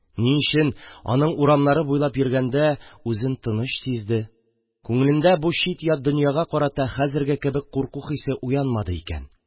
Ни өчен аның урамнары буйлап йөргәндә үзен тыныч сизде, күңелендә бу чит-ят донъяга карата хәзерге кебек курку хисе уянмады икән?